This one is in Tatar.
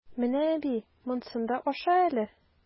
Менә, әби, монсын да аша әле!